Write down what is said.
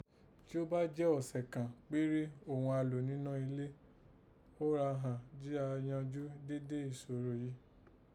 Jí ó bá jẹ́ ọ̀sẹ̀n kan kpéré òghun a lò ninọ́ ilẹ̀, ó ra ghàn jí a yanjú dede ìsòro yìí